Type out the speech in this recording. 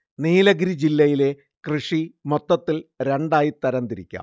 നീലഗിരി ജില്ലയിലെ കൃഷി മൊത്തത്തിൽ രണ്ടായി തരംതിരിക്കാം